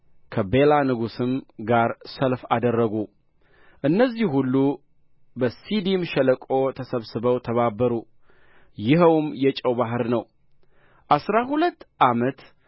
ከቤላ ንጉሥም ጋር ሰልፍ አደረጉ እነዚህ ሁሉ በሲዲም ሸለቆ ተሰብስበው ተባበሩ ይኸውም የጨው ባሕር ነው አሥራ ሁለት ዓመት